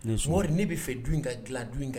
Mori ne bɛ fɛ dun in ka dilan du in ka